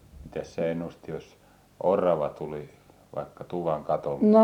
mitäs se ennusti jos orava tuli vaikka tuvan katolle